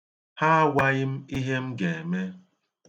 Ha agwaghị m ihe m ga-eme.